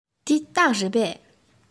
འདི སྟག རེད པས